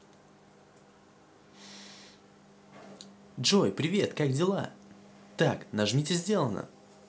джой привет как дела так нажмите сделано